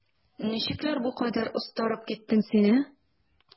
Ничекләр бу кадәр остарып киттең син, ә?